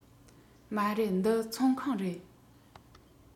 མ རེད འདི ཚོང ཁང རེད